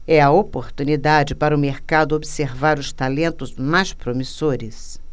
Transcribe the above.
é a oportunidade para o mercado observar os talentos mais promissores